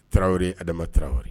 Tarawere Adama Tarawere